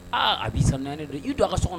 Aaa a b'i sara naani don i don a ka so kɔnɔ